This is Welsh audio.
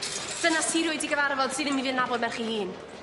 Dyna ti rioed 'di gyfarfod sydd ddim even nabod merch 'i hun?